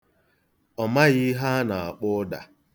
Ọ maghị ihe a na-akpọ ụda.